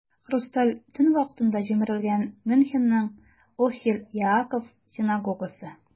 "хрусталь төн" вакытында җимерелгән мюнхенның "охель яаков" синагогасы.